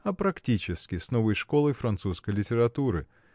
а практически с новой школой французской литературы.